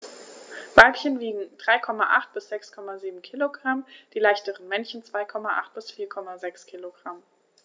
Weibchen wiegen 3,8 bis 6,7 kg, die leichteren Männchen 2,8 bis 4,6 kg.